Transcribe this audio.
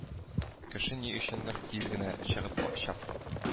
Кеше ни өчендер тиз генә чыгып о чапты